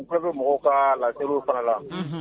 U bɛ mɔgɔw ka la teriw fara la